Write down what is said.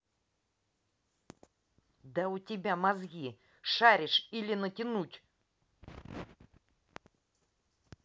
да у тебя мозги шаришь или натянуть